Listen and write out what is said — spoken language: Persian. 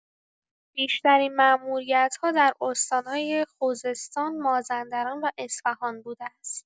بیشترین ماموریت‌ها در استان‌های خوزستان، مازندران و اصفهان بوده است.